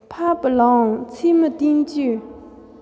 འཕགས པའི ལུང ཚད མའི བསྟན བཅོས